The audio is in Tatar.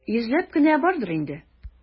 Йөзләп кенә бардыр инде.